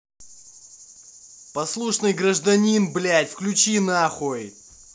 послушный гражданин блядь включи нахуй